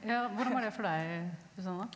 ja hvordan var det for deg Susanna?